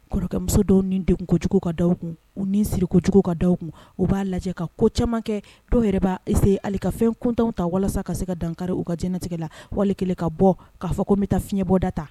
Kɔrɔkɛmuso dɔw ni degun kocogo ka da u kun u ni siricogo ka da u kun u b'a lajɛ ka ko caman kɛ dɔw yɛrɛ b'a essayé hali ka fɛn kuntanw ta walasa ka se ka dankari u ka diɲɛlatigɛ la wali kɛlen ka bɔ k'a fɔ ko n bɛ taa fiɲɛbɔda ta.